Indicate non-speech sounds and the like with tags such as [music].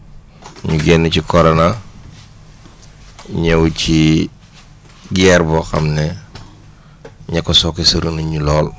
ñu [noise] génn ci Corona ñëw ci guerre boo xam ne [noise] ña ko sooke sori nañ ñu lool